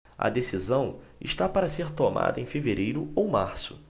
a decisão está para ser tomada em fevereiro ou março